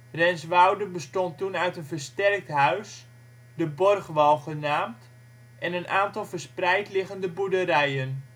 Renswoude bestond toen uit een versterkt huis, de Borgwal genaamd, en een aantal verspreid liggende boerderijen